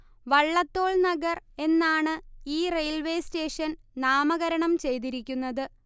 വള്ളത്തോൾ നഗർ എന്നാണ് ഈ railway station നാമകരണം ചെയ്തിരിക്കുന്നത്